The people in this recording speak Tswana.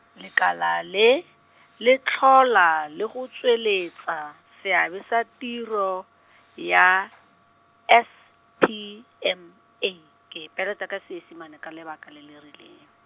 lekala le, le tlhola le go tsweletsa seabe sa tiro, ya , F T M A, ke e peleta ka Seesimane ka lebaka le le rileng.